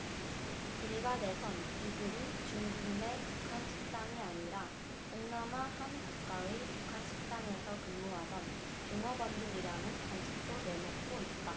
일각에선 이들이 중국내 북한 식당이 아니라 동남아 한 국가의 북한 식당에서 근무하던 종업원들이라는 관측도 내놓고 있다